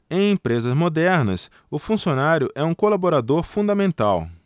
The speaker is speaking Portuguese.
em empresas modernas o funcionário é um colaborador fundamental